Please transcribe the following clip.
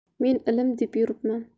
men ilm deb yuribman